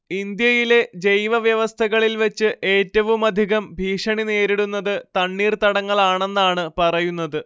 ഇന്ത്യയിലെ ജൈവവ്യവസ്ഥകളിൽ വെച്ച് ഏറ്റവുമധികം ഭീഷണിനേരിടുന്നത് തണ്ണീർതടങ്ങളാണെന്നാണ് പറയുന്നത്